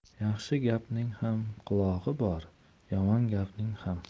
yaxshi gapning ham qulog'i bor yomon gapning ham